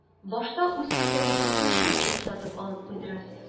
Башта үз исәбегезгә счетчик сатып алып куйдырасыз.